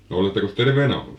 no olettekos terveenä ollut